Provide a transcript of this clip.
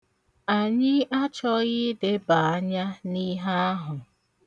Anyị achọghị ileba anya n'ihe ahụ.